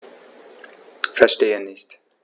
Verstehe nicht.